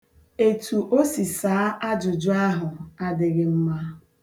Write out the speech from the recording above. Etu o si saa ya ajụjụ ahụ adịghị mma.